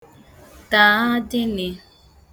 tàadịnị̄